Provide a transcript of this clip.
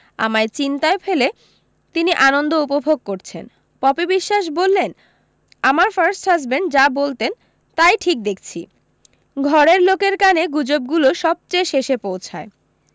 আমায় চিন্তায় ফেলে তিনি আনন্দ উপভোগ করছেন পপি বিশোয়াস বললেন আমার ফার্স্ট হাজবেণ্ড যা বলতেন তাই ঠিক দেখছি ঘরের লোকের কানে গুজবগুলো সব চেয়ে শেষে পৌঁছায়